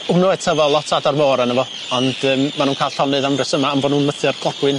Hwnnw etafo lot o adar môr arno fo ond yym ma' n'w'n ca'l llonydd am resyma am bo' n'w'n mythio'r clogwyn.